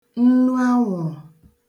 nnuawụ̀rụ̀